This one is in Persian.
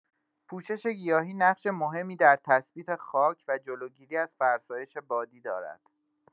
پوشش گیاهی نقش مهمی در تثبیت خاک و جلوگیری از فرسایش بادی دارد.